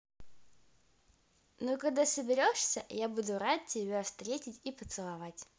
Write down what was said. ну когда соберешься я буду рад тебя встретить и поцеловать